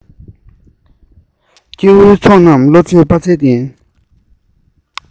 སྐྱེ བོའི ཚོགས རྣམས བློ གྲོས དཔའ རྩལ ལྡན